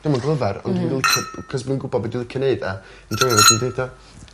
Dwi'm yn glyfar ond dwi'n licio b- 'c'os fi'n gwbo be' dwi licio neud a enjoio fe dwi'n deud o.